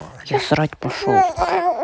я срать пошел